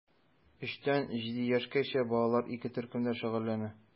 3 тән 7 яшькәчә балалар ике төркемдә шөгыльләнә.